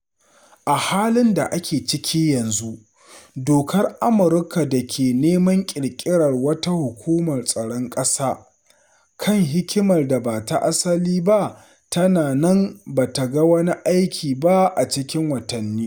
A halin da ake ciki yanzu, dokar Amurka da ke neman ƙirƙirar wata Hukumar Tsaron Ƙasa kan Hikimar Da Ba Asali tana nan ba ta ga wani aiki ba a cikin watanni.